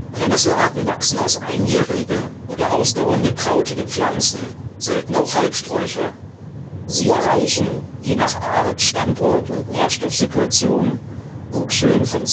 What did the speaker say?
Brennnessel-Arten wachsen als einjährige oder ausdauernde krautige Pflanzen, selten auch Halbsträucher. Sie erreichen, je nach Art, Standort und Nährstoffsituation, Wuchshöhen von